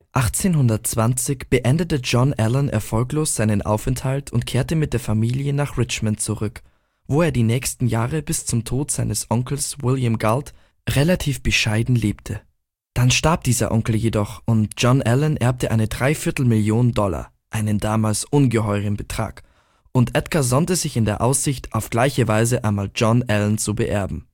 1820 beendete John Allan erfolglos seinen Englandaufenthalt und kehrte mit der Familie nach Richmond zurück, wo er die nächsten Jahre bis zum Tod seines Onkels William Galt relativ bescheiden lebte. Dann starb dieser Onkel jedoch, und John Allan erbte eine Dreiviertelmillion Dollar, einen damals ungeheuren Betrag, und Edgar sonnte sich in der Aussicht, auf gleiche Weise einmal John Allan zu beerben